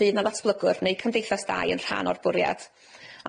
fydd 'na ddatblygwr neu cymdeithas dai yn rhan o'r bwriad.